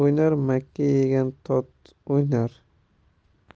makka yegan tot o'ynar